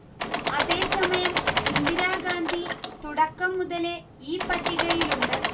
അതേ സമയം ഇന്ദിരാഗാന്ധി തുടക്കം മുതലേ ഈ പട്ടികയിലുണ്ട്